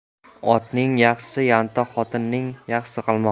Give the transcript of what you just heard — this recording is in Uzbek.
o'tinning yaxshisi yantoq xotinning yaxshisi qalmoq